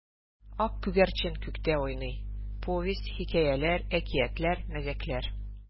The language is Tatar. Ак күгәрчен күктә уйный: повесть, хикәяләр, әкиятләр, мәзәкләр.